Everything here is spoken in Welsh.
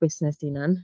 Busnes dy hunan.